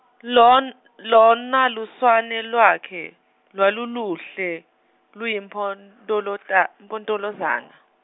lon- lona luswane lwakhe, lwaluluhle, luyimpontolota- -mpontolozana.